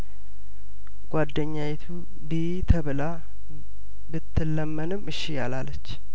ጓደኛዪቱ ብዪ ተብላ ብትለመንም እሺ አላለች